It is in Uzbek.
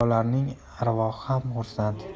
ota bobolaringning arvohi ham xursand